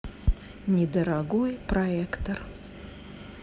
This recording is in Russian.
недорогой проектор